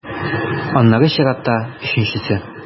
Аннары чиратта - өченчесе.